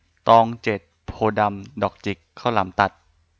ตองเจ็ดโพธิ์ดำดอกจิกข้าวหลามตัด